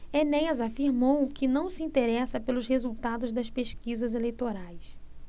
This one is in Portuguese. enéas afirmou que não se interessa pelos resultados das pesquisas eleitorais